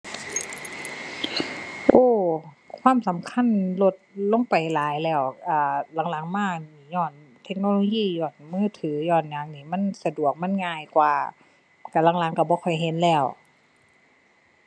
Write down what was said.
โอ้ ความสำคัญลดลงไปหลายแล้ว อ่า หลังหลังมานี่ญ้อนเทคโนโลยี ญ้อนมือถือ ญ้อนหยังนี่มันสะดวก มันง่ายกว่า ก็หลังหลังก็บ่ค่อยเห็นแล้ว